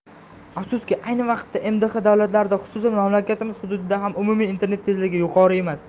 afsuski ayni vaqtda mdh davlatlarida xususan mamlakatimiz hududida ham umumiy internet tezligi yuqori emas